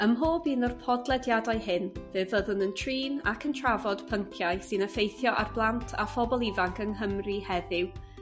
Ym mhob un o'r podlediadau hyn fe fyddwn yn trin ac yn trafod pynciau sy'n effeithio ar blant a phobl ifanc yng Nghymru heddiw